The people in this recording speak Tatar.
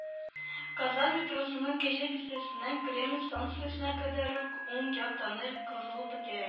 Казан метросының “Кәҗә бистәсе”ннән “Кремль” станциясенә кадәр уң як тоннель казылып бетә